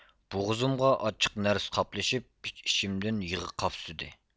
بوغۇزۇمغا ئاچچىق نەرسە قاپلىشىپ ئىچ ئىچىمدىن يىغا قاپسىدى